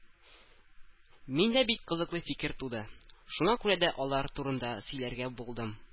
Миндә бик кызыклы фикер туды, шуңа күрә дә алар турында сөйләргә булдым